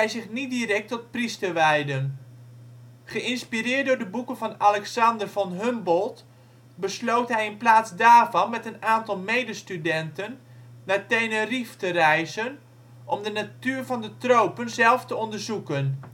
zich niet direct tot priester wijden. Geïnspireerd door de boeken van Alexander von Humboldt besloot hij in plaats daarvan met een aantal medestudenten naar Tenerife te reizen om de natuur van de tropen zelf te onderzoeken